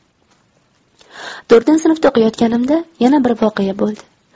to'rtinchi sinfda o'qiyotganimda yana bir voqea bo'ldi